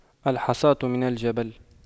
الحصاة من الجبل